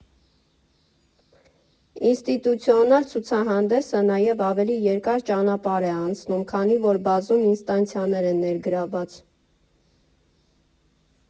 Ինստիտուցիոնալ ցուցահանդեսը նաև ավելի երկար ճանապարհ է անցնում, քանի որ բազում ինստանցիաներ են ներգրավված։